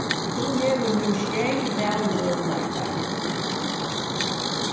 tú hevur nú sjey valmøguleikar